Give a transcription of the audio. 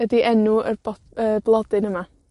ydi enw yr bod- y blodyn yma.